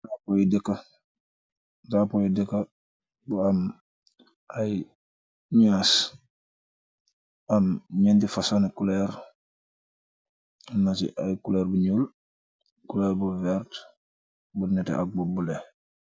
tapoy dëkka bu am ay ñuas am ñendi fasani culeer na ci ay culeer bu ñuul culer bu verte bur nete ak bobule